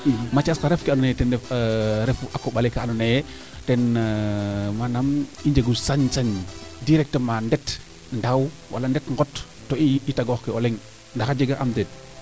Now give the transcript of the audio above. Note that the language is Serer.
Mathiase xa ref kee ando naye ten ref refu a koɓale kaa ando naye ten manam i njegu sañ sañ directement ndet ndaw wala ndet ngot to i tagoox ke o leŋ ndax a jega am deed